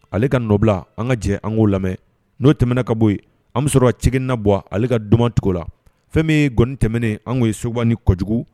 Ale ka nɔbila an ka jɛ an k'o lamɛn. N'o tɛmɛna ka bɔ yen, an bɛ sɔrɔ ka cikɛnina Buwa ale ka duman tugu ola. fɛn min ye ngɔni tɛmɛnen an k'o ye Sogba ni kɔdugu.